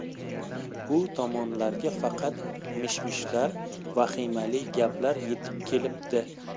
bu tomonlarga faqat mish mishlar vahimali gaplar yetib kelibdi